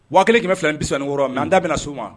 Waa kɛmɛ bɛ filɛ binikɔrɔ mɛ n da bɛna na so' ma